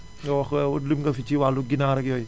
nga wax lim nga fi si wàllu ginaar ak yooyu